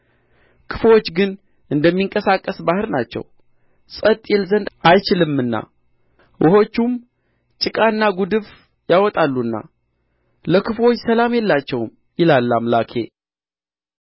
ክፉዎች ግን እንደሚንቀሳቀስ ባሕር ናቸው ጸጥ ይል ዘንድ አይችልምና ውኆቹም ጭቃና ጕድፍ ያወጣሉና ለክፉዎች ሰላም የላቸውም ይላል አምላኬ